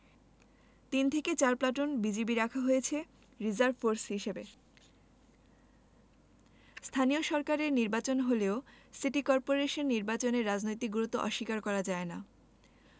তিন থেকে চার প্লাটুন বিজিবি রাখা হয়েছে রিজার্ভ ফোর্স হিসেবে স্থানীয় সরকারের নির্বাচন হলেও সিটি করপোরেশন নির্বাচনের রাজনৈতিক গুরুত্ব অস্বীকার করা যায় না